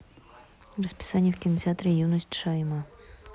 расписание в кинотеатре юность шаима